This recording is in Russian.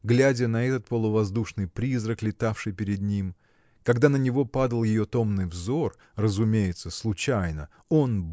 глядя на этот полувоздушный призрак летавший перед ним. Когда на него падал ее томный взор разумеется случайно он